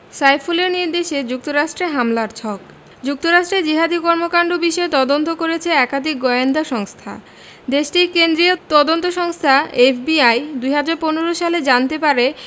সাইফুলের নির্দেশে যুক্তরাষ্ট্রে হামলার ছক যুক্তরাষ্ট্রে জিহাদি কর্মকাণ্ড বিষয়ে তদন্ত করেছে একাধিক গোয়েন্দা সংস্থা দেশটির কেন্দ্রীয় তদন্ত সংস্থা এফবিআই ২০১৫ সালে জানতে পারে